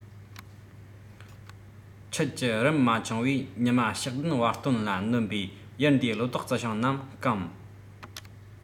ཁྱིད ཀྱི རིན མ འཁྱོངས བས ཉི མ ཞག བདུན བར སྟོད ལ མནན པས ཡུལ འདིའི ལོ ཏོག རྩི ཤིང རྣམས བསྐམས